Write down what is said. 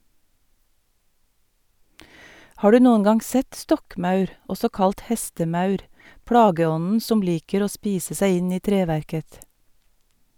Har du noen gang sett stokkmaur, også kalt hestemaur, plageånden som liker å spise seg inn i treverket?